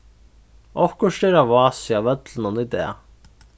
okkurt er á vási á vøllinum í dag